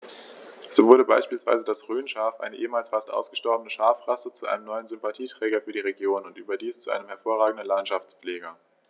So wurde beispielsweise das Rhönschaf, eine ehemals fast ausgestorbene Schafrasse, zu einem neuen Sympathieträger für die Region – und überdies zu einem hervorragenden Landschaftspfleger.